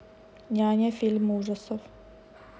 няня фильм ужасов